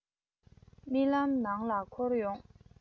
རྨི ལམ ནང ལ འཁོར ཡོང